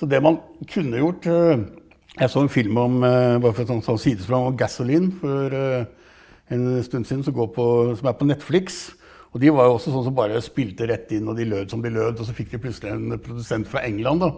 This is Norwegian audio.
så det man kunne gjort , jeg så en film om bare for å ta et sånn sidesprang om Gasoline for en stund siden som går på som er på Netflix og de var jo også sånn som bare spilte rett inn og de lød som de lød også fikk de plutselig en produsent fra England da.